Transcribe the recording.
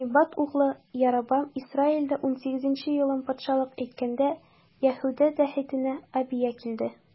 Небат углы Яробам Исраилдә унсигезенче елын патшалык иткәндә, Яһүдә тәхетенә Абия килде.